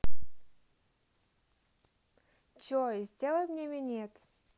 джой сделай мне минет